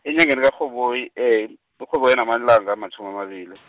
enyangeni kaRhoboyi, uRhoboyi an- amalanga amatjhumi amabili.